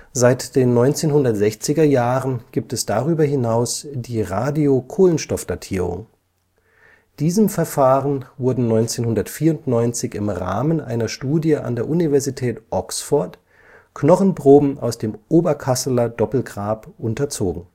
Seit den 1960er-Jahren gibt es darüber hinaus die Radiokohlenstoffdatierung. Diesem Verfahren wurden 1994 im Rahmen einer Studie an der Universität Oxford Knochenproben aus dem Oberkasseler Doppelgrab unterzogen